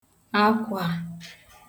akwà